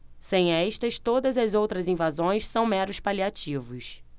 sem estas todas as outras invasões são meros paliativos